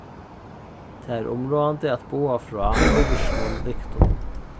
tað er umráðandi at boða frá óvirknum lyktum